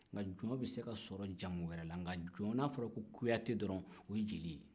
nka jɔn bɛ se ka sɔrɔ jamu wɛrɛ la nka n'a fɔra kuyatɛ dɔrɔn o ye jeli ye